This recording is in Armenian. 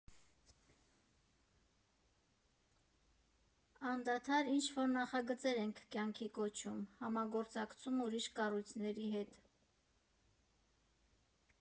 Անդադար ինչ֊որ նախագծեր ենք կյանքի կոչում, համագործակցում ուրիշ կառույցների հետ։